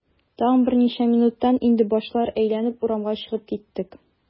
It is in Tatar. Тагын берничә минуттан инде башлар әйләнеп, урамга чыгып киттек.